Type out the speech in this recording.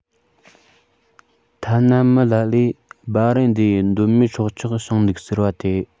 ཐ ན མི ལ ལས སྦ རན སྡེ ཡིས གདོད མའི སྲོག ཆགས བྱུང འདུག ཟེར བ དེ